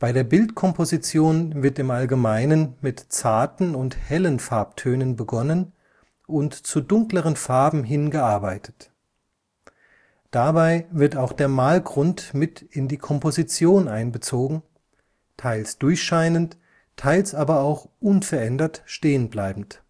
der Bildkomposition wird im Allgemeinen mit zarten und hellen Farbtönen begonnen und zu dunkleren Farben hin gearbeitet. Dabei wird auch der Malgrund mit in die Komposition einbezogen, teils durchscheinend, teils aber auch unverändert stehen bleibend